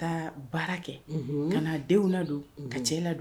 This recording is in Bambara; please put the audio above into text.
N taa baara kɛ ka na denw la don ka cɛ la don